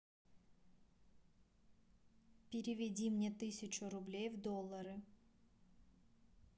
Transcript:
переведи мне тысячу рублей в доллары